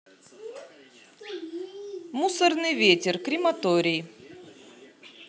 мусорный ветер крематорий